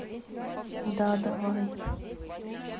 да давай